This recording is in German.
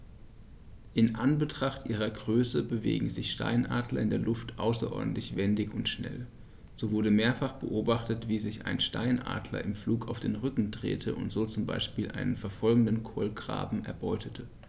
In Anbetracht ihrer Größe bewegen sich Steinadler in der Luft außerordentlich wendig und schnell, so wurde mehrfach beobachtet, wie sich ein Steinadler im Flug auf den Rücken drehte und so zum Beispiel einen verfolgenden Kolkraben erbeutete.